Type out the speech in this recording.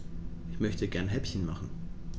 Ich möchte gerne Häppchen machen.